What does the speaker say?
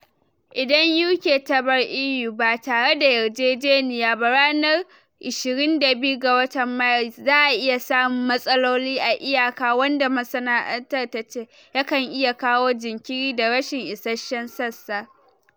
Idan UK ta bar EU ba tare dayarjejeniya ba ranar 29 ga watan Maris, za’a iya samun matsaloli a iyaka wanda masana’antar ta ce yakan iya kawo jinkiri da rashin isashen sassa.